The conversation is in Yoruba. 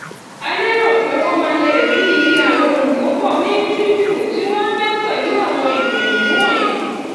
A lérò pé wọ́n máa lè rí iye àwọn olùkópa onínúdídùn tí wọ́n ń fẹ́ pẹ̀lú àwọn ìgbìyànjú wọ̀nyìí.